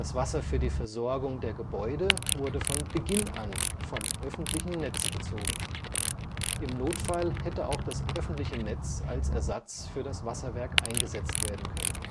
Wasser für die Versorgung der Gebäude wurde von Beginn an vom öffentlichen Netz bezogen. In Notfall hätte auch das öffentliche Netz als Ersatz für das Wasserwerk eingesetzt werden können